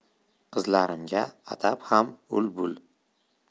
qizlarimga atab ham ul bul